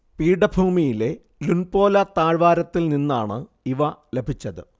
പീഠഭൂമിയിലെ Lunpola താഴ്വാരത്തിൽ നിന്നാണ് ഇവ ലഭിച്ചത്